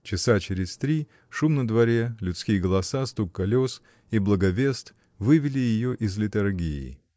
Часа через три шум на дворе, людские голоса, стук колес и благовест вывели ее из летаргии.